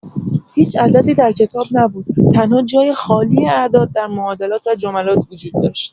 هیچ عددی در کتاب نبود؛ تنها جای خالی اعداد در معادلات و جملات وجود داشت.